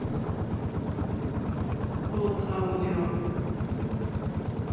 полк аудио